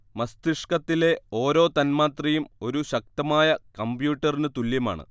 മസ്തിഷ്കത്തിലെ ഓരോ തന്മാത്രയും ഒരു ശക്തമായ കമ്പ്യൂട്ടറിനു തുല്യമാണ്